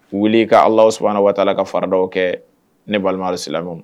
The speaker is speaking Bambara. Wuli ka ala sɔnna waa la ka fara dɔw kɛ ne balima silamɛ